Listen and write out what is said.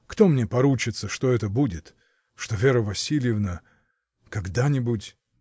Кто мне поручится, что это будет, что Вера Васильевна. когда-нибудь.